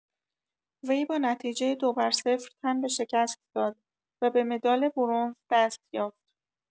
وی با نتیجه ۲ بر صفر تن به شکست داد و به مدال برنز دست‌یافت.